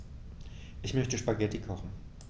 Ich möchte Spaghetti kochen.